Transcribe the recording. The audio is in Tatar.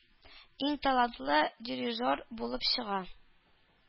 Иң талантлы “дирижер” булып чыга.